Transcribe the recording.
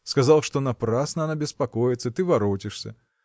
сказал, что напрасно она беспокоится: ты воротишься